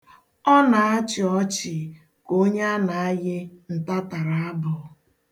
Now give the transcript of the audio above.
Ọ na-achị ọchị ka onye a na-ayị ntatarabụ.